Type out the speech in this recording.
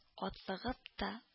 Атлыгып та